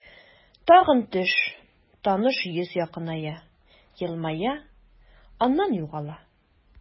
Тагын төш, таныш йөз якыная, елмая, аннан югала.